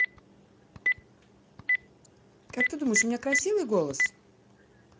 как ты думаешь у меня красивый голос